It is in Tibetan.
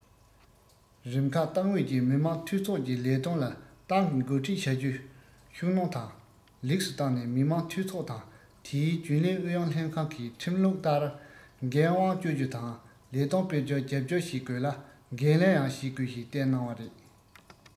རིམ ཁག ཏང ཨུད ཀྱིས མི དམངས འཐུས ཚོགས ཀྱི ལས དོན ལ ཏང གིས འགོ ཁྲིད བྱ རྒྱུར ཤུགས སྣོན དང ལེགས སུ བཏང ནས མི དམངས འཐུས ཚོགས དང དེའི རྒྱུན ལས ཨུ ཡོན ལྷན ཁང གིས ཁྲིམས ལུགས ལྟར འགན དབང སྤྱོད རྒྱུ དང ལས དོན སྤེལ རྒྱུར རྒྱབ སྐྱོར བྱེད དགོས ལ འགན ལེན ཡང བྱེད དགོས ཞེས བསྟན གནང བ རེད